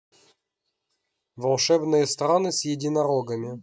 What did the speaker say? волшебные страны с единорогами